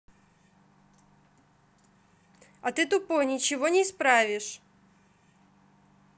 а ты тупой ты ничего не исправишь